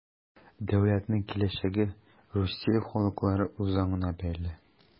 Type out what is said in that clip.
Дәүләтнең киләчәге Русия халыклары үзаңына бәйле.